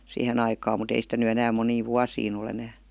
siihen aikaan mutta ei sitä nyt enää moniin vuosiin ole enää